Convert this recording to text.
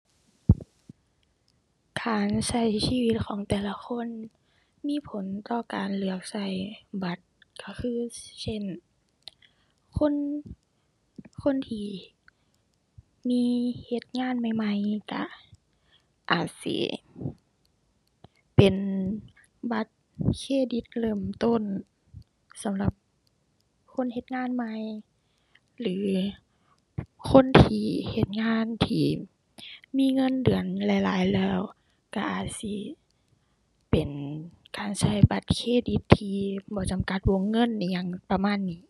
การใช้ชีวิตของแต่ละคนมีผลต่อการเลือกใช้บัตรใช้คือ เช่น คน คนที่มีเฮ็ดงานใหม่ใหม่ใช้อาจสิเป็นบัตรเครดิตเริ่มต้นสำหรับคนเฮ็ดงานใหม่ หรือคนที่เฮ็ดงานที่มีเงินเดือนหลายหลายแล้ว ใช้อาจสิเป็นการใช้บัตรเครดิตที่บ่จำกัดวงเงินอิหยังประมาณนี้